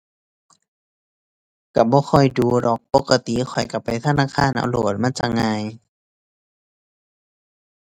ก็บ่ค่อยดู๋ดอก ปกติข้อยก็ไปธนาคารเอาโลด มันจั่งง่าย